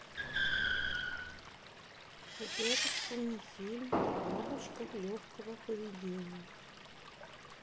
художественный фильм бабушка легкого поведения